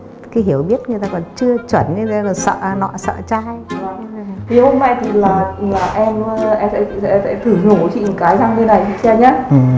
nhiều người hiểu biết chưa chuẩn nên sợ nọ sợ chai hôm nay em sẽ thử nhổ cho chị một cái răng bên này xem nhé